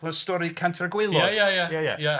Cofio'r stori'r Cantre'r Gwaelod... Ia, ia, ia, ia.